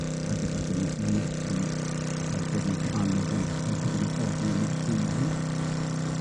ag yy ag yn methu yy bod yn rhan o hwnna oherwydd bod gen nw ofn am 'u swyddi.